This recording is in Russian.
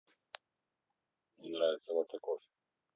мне нравиться латте кофе